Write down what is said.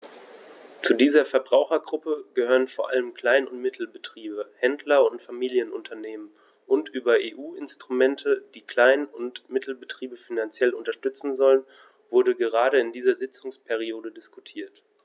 Zu dieser Verbrauchergruppe gehören vor allem Klein- und Mittelbetriebe, Händler und Familienunternehmen, und über EU-Instrumente, die Klein- und Mittelbetriebe finanziell unterstützen sollen, wurde gerade in dieser Sitzungsperiode diskutiert.